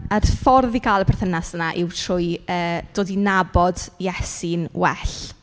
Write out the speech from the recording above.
A'r ffordd i cael y berthynas 'na yw trwy yy dod i nabod Iesu'n well.